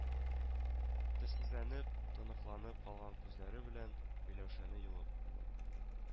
Төссезләнеп, тоныкланып калган күзләре белән Миләүшәне йолып